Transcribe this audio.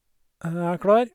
Jeg er klar.